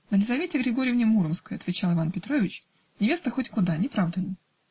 -- На Лизавете Григорьевне Муромской, -- отвечал Иван Петрович -- невеста хоть куда не правда ли?